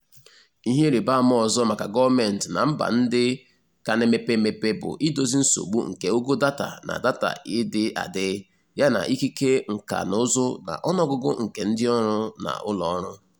Ihe ịrịbaama ọzọ maka gọọmentị na mba ndị ka na-emepe emepe bụ idozi nsogbu nke ogo data na data ịdị adị, yana ikike nkànaụzụ na ọnụọgụgụ nke ndịọrụ na ụlọọrụ.